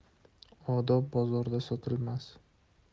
odob bozorda sotilmas